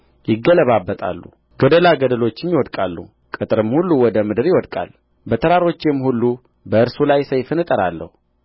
ይገለባበጣሉ ገደላገደሎችም ይወድቃሉ ቅጥርም ሁሉ ወደ ምድር ይወድቃል በተራሮቼም ሁሉ በእርሱ ላይ ሰይፍን እጠራለሁ